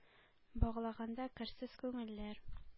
Багланганда керсез күңелләр,